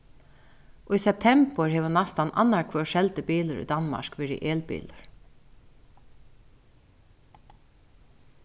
í septembur hevur næstan annar hvør seldi bilur í danmark verið elbilur